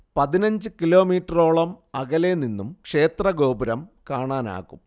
പതിനഞ്ച് കിലോമീറ്ററോളം അകലെ നിന്നും ക്ഷേത്ര ഗോപുരം കാണാനാകും